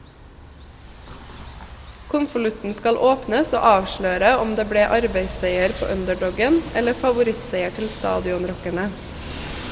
Konvolutten skal åpnes, og avsløre om det ble arbeidsseier på underdogen , eller favorittseier til stadionrockerne.